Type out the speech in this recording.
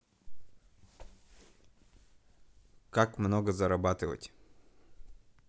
как много зарабатывать